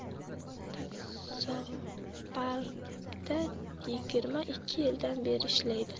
taksoparkda yigirma ikki yildan beri ishlaydi